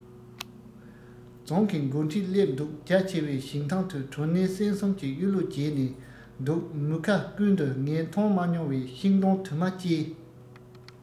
རྫོང གི མགོ ཁྲིད སླེབས འདུག རྒྱ ཆེ བའི ཞིང ཐང དུ གྲོ ནས སྲན གསུམ གྱི གཡུ ལོ རྒྱས ནས འདུག མུ ཁ ཀུན ཏུ ངས མཐོང མ མྱོང བའི ཤིང སྡོང དུ མ སྐྱེས